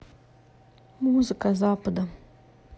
музыка запада